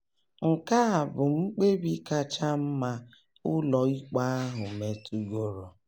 Nke a bụ mkpebi kacha mma ụlọ ikpe ahụ metụgoro